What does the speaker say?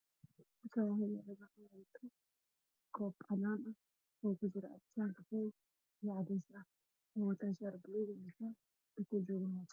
Waa koob waxaa ku jirto shuquraato qof ay gacanta ku haya oo shaatiga buluug qabo